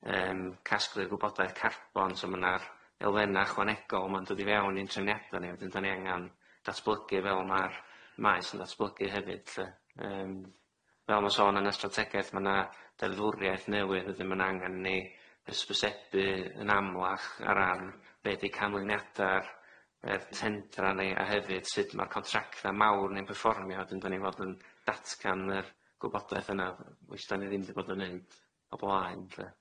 yym casglu'r gwybodaeth carbon so ma' na'r elfenna' ychwanegol ma'n dod i fewn i'n trefniada ni a wedyn 'dan ni angan datblygu fel ma'r maes yn datblygu hefyd lly yym fel ma'n sôn yn y strategaeth ma' 'na deddfwriaeth newydd ma' angan ni hysbysebu yn amlach ar ran be' 'di canlyniada'r 'yn tendra ni a hefyd sud ma'r contracta mawr ni'n perfformio a wedyn 'dan ni fod yn datgan yr gwybodaeth yna which 'dan ni ddim 'di bod yn neud o blaen lly.